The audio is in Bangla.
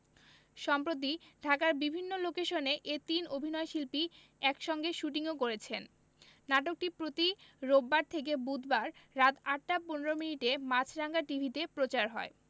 সম্প্রতি ঢাকার বিভিন্ন লোকেশনে এ তিন অভিনয়শিল্পী একসঙ্গে শুটিংও করেছেন নাটকটি প্রতি রোববার থেকে বুধবার রাত ৮টা ১৫ মিনিটে মাছরাঙা টিভিতে প্রচার হয়